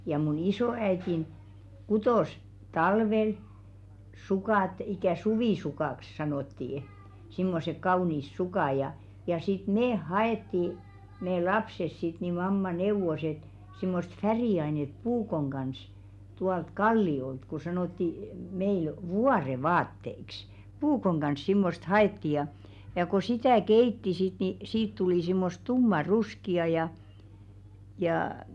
ja minun isoäitini kutoi talvella sukat ikään suvisukaksi sanottiin semmoiset kauniit sukat ja ja sitten me haettiin me lapset sitten niin mamma neuvoi että semmoista väriainetta puukon kanssa tuolta kalliolta kun sanottiin meillä vuorenvaatteiksi puukon kanssa semmoista haettiin ja ja kun sitä keitti sitten niin siitä tuli semmoista tummanruskeaa ja jaa